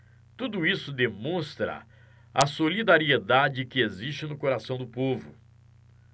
tudo isso demonstra a solidariedade que existe no coração do povo